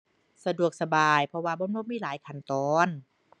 สะดวกสบาย เพราะว่ามันบ่มีหลายขั้นตอน